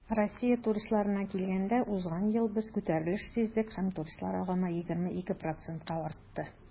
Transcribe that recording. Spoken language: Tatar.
Россия туристларына килгәндә, узган ел без күтәрелеш сиздек һәм туристлар агымы 22 %-ка артты.